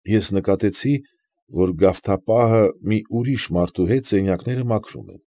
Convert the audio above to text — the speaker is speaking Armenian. Ես նկատեցի, որ գավթապահը մի ուրիշ մարդու հետ սենյակները մաքրում են։